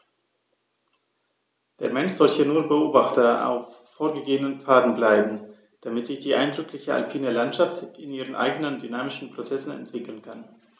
Der Mensch soll hier nur Beobachter auf vorgegebenen Pfaden bleiben, damit sich die eindrückliche alpine Landschaft in ihren eigenen dynamischen Prozessen entwickeln kann.